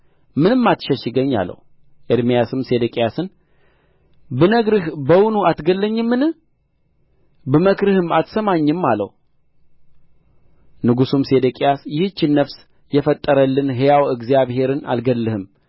ምንም አትሸሽገኝ አለው ኤርምያስም ሴዴቅያስን ብነግርህ በውኑ አትገድለኝምን ብመክርህም አትሰማኝም አለው ንጉሡም ሴዴቅያስ ይህችን ነፍስ የፈጠረልን ሕያው እግዚአብሔርን አልገድልህም